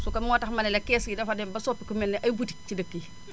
su ko moo tax mane la kees gi dafa dem ba soppiku mel ne ay boutique ci dëkk yi